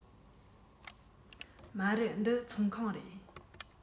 མ རེད འདི ཚོང ཁང རེད